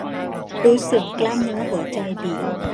รู้สึกกล้ามเนื้อหัวใจบีบ